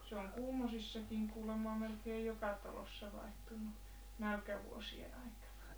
se on Kuhmoisissakin kuulemma melkein joka talossa vaihtunut nälkävuosien aikana